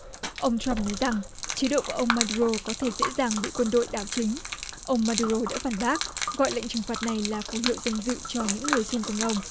ông trăm nói rằng chế độ của ông ma đu rô có thể dễ dàng bị quân đội đảo chính ông ma đu rô đã phản bác gọi lệnh trừng phạt này là phù hiệu danh dự cho những người xung quanh ông